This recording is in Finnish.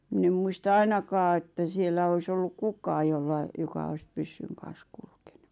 minä en muista ainakaan että siellä olisi ollut kukaan jolla joka olisi pyssyn kanssa kulkenut